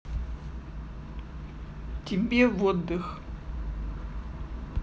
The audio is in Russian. тебе в отдых